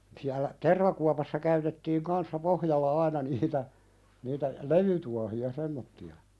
siellä tervakuopassa käytettiin kanssa pohjalla aina niitä niitä levytuohia semmoisia